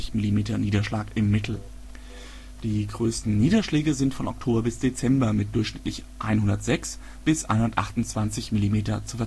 Millimeter Niederschlag im Mittel. Die größten Niederschläge sind von Oktober bis Dezember mit durchschnittlich 106 bis 128 Millimeter zu